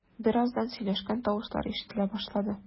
Бераздан сөйләшкән тавышлар ишетелә башлады.